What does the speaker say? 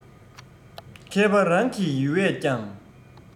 མཁས པ རང གི ཡུལ བས ཀྱང